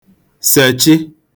sèchị